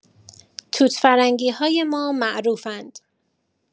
توت‌فرنگی‌های ما معروف‌اند.